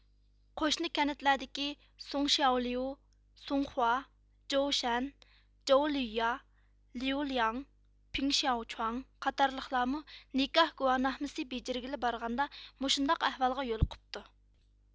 قوشنا كەنتلەردىكى سۇڭشياۋليۇ سۇڭخۇا جوۋشەن جوۋلۈييا ليۇلياڭ پېڭ شياۋچۇاڭ قاتارلىقلارمۇ نىكاھ گۇۋاھنامىسى بېجىرگىلى بارغاندا مۇشۇنداق ئەھۋالغا يولۇقۇپتۇ